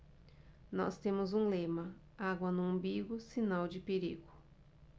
nós temos um lema água no umbigo sinal de perigo